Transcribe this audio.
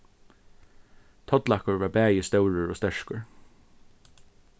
tollakur var bæði stórur og sterkur